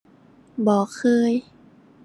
บ่เคย